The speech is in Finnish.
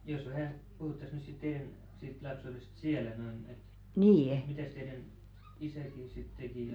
jos vähän puhuttaisiin nyt sitten teidän siitä lapsuudesta siellä noin että mitäs teidän isäkin sitten teki ja